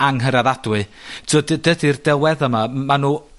anghyraddadwy. T'od dy- dydi'r delwedda' 'ma, ma' nw